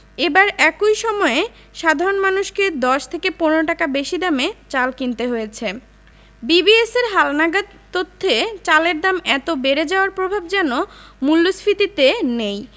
এবার একই সময়ে সাধারণ মানুষকে ১০ থেকে ১৫ টাকা বেশি দামে চাল কিনতে হয়েছে বিবিএসের হালনাগাদ তথ্যে চালের দাম এত বেড়ে যাওয়ার প্রভাব যেন মূল্যস্ফীতিতে নেই